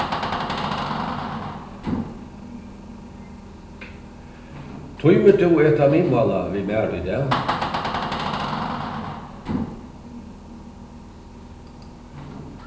tímir tú eta miðmála við mær í dag